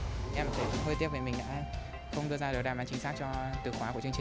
em thấy hơi tiếc vì mình đã không đưa ra được đáp lại chính xác cho từ khóa của chương trình